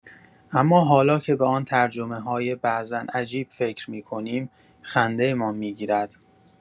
اما حالا که به آن ترجمه‌های بعضا عجیب فکر می‌کنیم، خنده‌مان می‌گیرد.